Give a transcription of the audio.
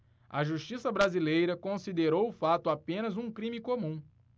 a justiça brasileira considerou o fato apenas um crime comum